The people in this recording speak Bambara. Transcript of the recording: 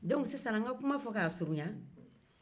an ka kuma fo k'a surunya